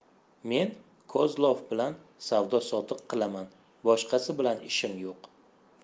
men kozlov bilan savdo sotiq qilaman boshqasi bilan ishim yo'q